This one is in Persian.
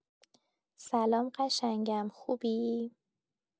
سلام قشنگم خوبی